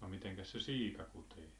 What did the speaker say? no mitenkäs se siika kutee